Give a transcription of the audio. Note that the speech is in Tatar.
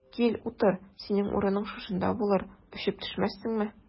Кил, утыр, синең урының шушында булыр, очып төшмәссеңме?